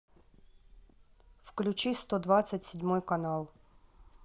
включи сто двадцать седьмой канал